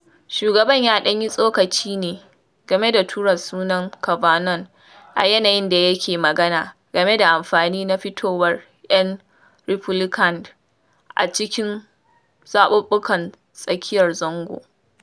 “Saura makonni biyar kafin ɗaya daga cikin zaɓuɓɓuka mafi muhimmanci a lokutan rayuwarmu.